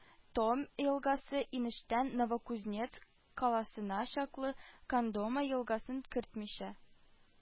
Томь елгасы, инештән Новокузнецк каласына чаклы, Кондома елгасын кертмичә,